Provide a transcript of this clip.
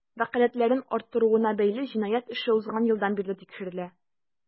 Вәкаләтләрен арттыруына бәйле җинаять эше узган елдан бирле тикшерелә.